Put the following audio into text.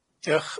Dioch.